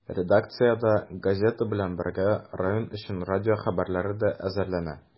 Редакциядә, газета белән бергә, район өчен радио хәбәрләре дә әзерләнә.